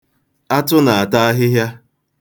Atụ na-ata ahịhịa.